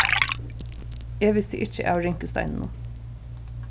eg visti ikki av rinkusteinunum